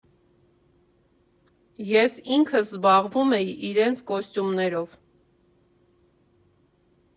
Ես ինքս զբաղվում էի իրենց կոստյումներով։